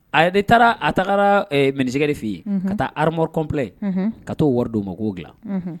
A ne taara a taara msɛgri f yen ka taa hamo kɔnp ka taa waridon ma dilan